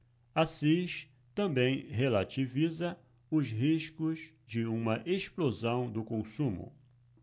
assis também relativiza os riscos de uma explosão do consumo